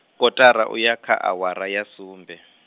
kaṱara uya kha awara ya sumbe.